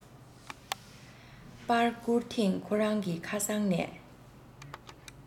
པར བསྐུར ཐེངས ཁོ རང གི ཁ སང ནས